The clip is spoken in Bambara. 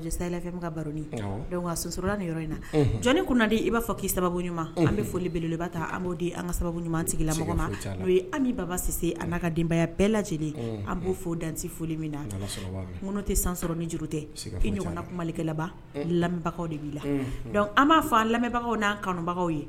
In jɔn kunnadi i b'a fɔ' sababu ɲuman an bɛ foli beleba ta an b'o an ka sababu ɲuman sigila mɔgɔ ma n'o an baba se an n'a ka denbaya bɛɛ lajɛ lajɛlen an b'o fɔ dan foli min na minnu tɛ san sɔrɔ ni juru tɛ i ɲɔgɔnna kumalikɛlaba lamɛnbagaw de b'i la dɔnku an b'a fɔ lamɛnbagaw n'an kanubagaw ye